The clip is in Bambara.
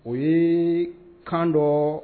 O ye kan dɔɔ